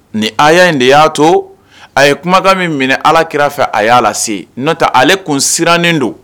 Nin a y yaa in de y'a to a ye kumakan min minɛ ala kira fɛ a y' lase se n'ota ale kun sirannen don